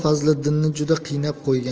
fazliddinni juda qiynab qo'ygan